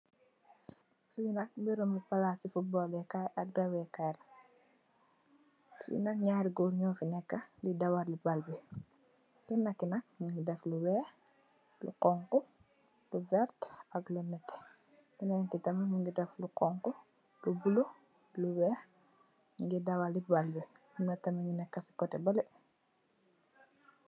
Fi nak mberebi palasi football lekay la ak dawwee kai. Fi nak nyarri goor nyufa neka di dawal baal bi. Kenaki nak mungi def lu weex, lu xonxo, lu vert, ak luneteh. Kenenki tamit mungi def lu xonxo, lu bulo, lu weex, mungi dawali baal amna ku neka ci koteh beleh.